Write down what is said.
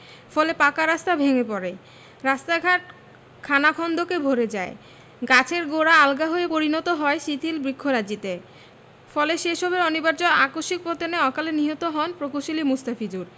ফলে পাকা রাস্তা ভেঙ্গে পড়ে রাস্তাঘাট খানাখন্দকে ভরে যায় গাছের গোড়া আলগা হয়ে পরিণত হয় শিথিল বৃক্ষরাজিতে ফলে সে সবের অনিবার্য আকস্মিক পতনে অকালে নিহত হন প্রকৌশলী মোস্তাফিজুর